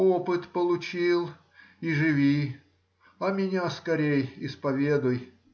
опыт получил, и живи, а меня скорей исповедуй.